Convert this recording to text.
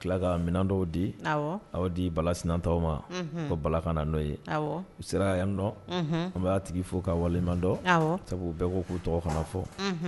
Tila ka minɛn dɔw di aw di bala sintɔ ma ko bala kana n'o ye u sera yan dɔn an bɛ' tigi fo k ka walemandɔ sabu u bɛɛ ko k'u tɔgɔ kana fɔ